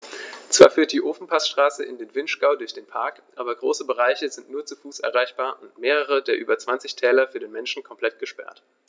Zwar führt die Ofenpassstraße in den Vinschgau durch den Park, aber große Bereiche sind nur zu Fuß erreichbar und mehrere der über 20 Täler für den Menschen komplett gesperrt.